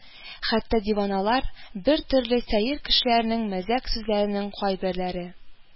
Хәтта диваналар, бертөрле сәер кешеләрнең мәзәк сүзләренең кайберләре